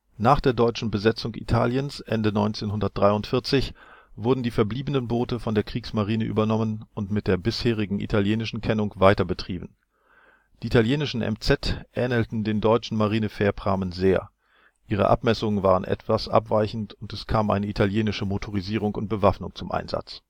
Nach der deutschen Besetzung Italiens Ende 1943 wurden die verbliebenen Boote von der Kriegsmarine übernommen und als MFP mit der bisherigen italienischen Kennung weiterbetrieben. Die italienischen MZ ähnelten den deutschen Marinefährprahmen sehr. Ihre Abmessungen waren etwas abweichend und es kam eine italienische Motorisierung und Bewaffnung zum Einsatz